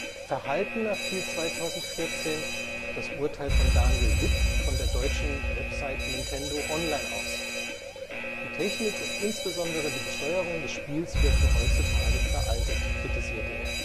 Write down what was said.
Verhaltener fiel 2014 das Urteil von Daniel Witt von der deutschen Website Nintendo-Online aus. Die Technik und insbesondere die Steuerung des Spiels wirkten heutzutage veraltet, kritisierte er